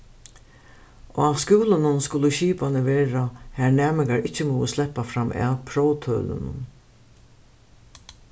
á skúlunum skulu skipanir vera har næmingar ikki mugu sleppa framat próvtølunum